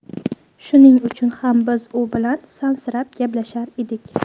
shuning uchun ham biz u bilan sansirab gaplashar edik